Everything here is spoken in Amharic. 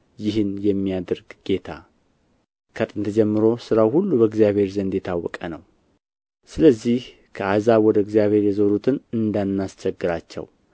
ይህን የሚያደርግ ጌታ ከጥንት ጀምሮ ሥራው ሁሉ በእግዚአብሔር ዘንድ የታወቀ ነው ስለዚህ ከአሕዛብ ወደ እግዚአብሔር የዞሩትን እንዳናስቸግራቸው